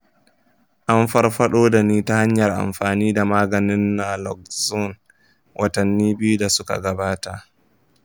an farfaɗo da ni ta hanyar amfani da maganin naloxone watanni biyu da suka gabata.